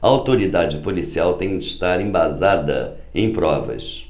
a autoridade policial tem de estar embasada em provas